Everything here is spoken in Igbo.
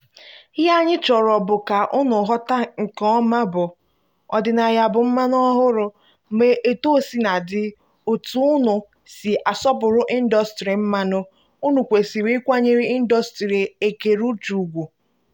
Ihe anyị chọrọ bụ ka unu ghọta nke ọma bụ na ọdịnaya bụ mmanụ ọhụrụ, ma etuosinadị otú unu si asọpụrụ ndọstrị mmanụ, unu kwesịrị ịkwanyere ndọstrị ekere uche ùgwù.